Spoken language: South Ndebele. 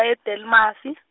e- Delmasi .